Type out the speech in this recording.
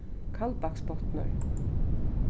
kaldbaksbotnur